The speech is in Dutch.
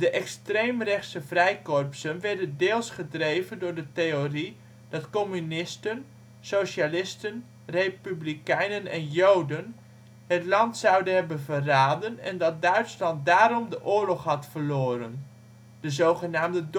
extreem rechtse vrijkorpsen werden deels gedreven door de theorie dat communisten, socialisten, republikeinen en Joden het land zouden hebben verraden en dat Duitsland daarom de oorlog had verloren (de zogenaamde